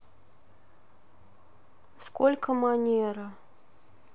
сколько манера